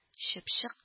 Чыпчык